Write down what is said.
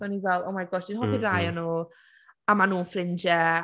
O’n i fel, oh, my gosh, fi’n hoffi’r ddau o nhw, a maen nhw’n ffrindiau...